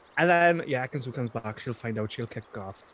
And then, yeah, Ekin-Su comes back, she'll find out, she'll kick off.